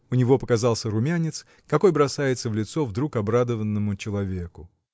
У него показался румянец, какой бросается в лицо вдруг обрадованному человеку.